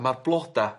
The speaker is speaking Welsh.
a ma'r bloda